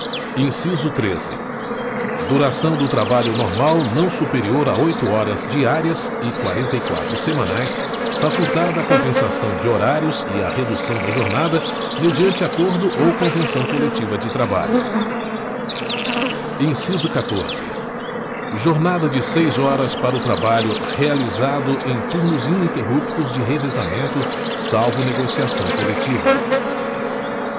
inciso treze duração do trabalho normal não superior a oito horas diárias e quarenta e quatro semanais facultada a compensação de horários e a redução da jornada mediante acordo ou convenção coletiva de trabalho inciso catorze jornada de seis horas para o trabalho realizado em turnos ininterruptos de revezamento salvo negociação coletiva